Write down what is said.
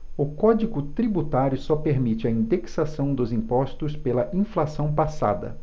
o código tributário só permite a indexação dos impostos pela inflação passada